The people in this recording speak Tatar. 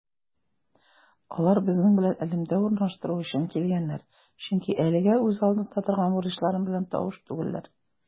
Алар безнең белән элемтә урнаштыру өчен килгәннәр, чөнки әлегә үз алдында торган бурычлар белән таныш түгелләр.